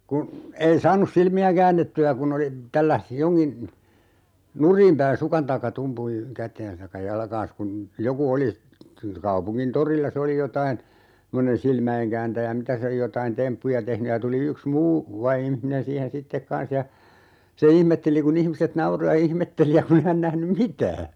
kun ei saanut silmiä käännettyä kun oli tälläsi jonkin nurin päin sukan tai tumpun käteensä tai jalkaansa kun joku oli kaupungin torilla se oli jotakin semmoinen silmäinkääntäjä mitä se jotakin temppuja tehnyt ja tuli yksi muu vaimoihminen siihen sitten kanssa ja se ihmetteli kun ihmiset nauroi ja ihmetteli ja kun ei hän nähnyt mitään